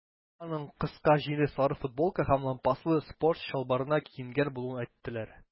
Безгә аның кыска җиңле сары футболка һәм лампаслы спорт чалбарына киенгән булуын әйттеләр.